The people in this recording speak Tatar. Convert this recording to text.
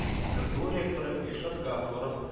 КФУ ректоры Илшат Гафуров